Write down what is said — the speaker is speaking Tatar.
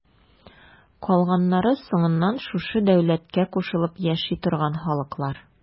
Калганнары соңыннан шушы дәүләткә кушылып яши торган халыклар.